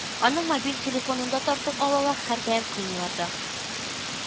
Аның мобиль телефонын да тартып алалар, һәрдаим кыйныйлар да